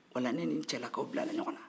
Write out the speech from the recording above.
wala ne ni n cɛlakaw bilara ɲɔgɔn na